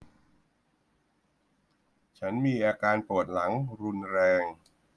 ฉันมีอาการปวดหลังรุนแรง